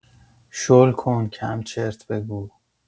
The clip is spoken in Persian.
شل کن کم چرت بگو.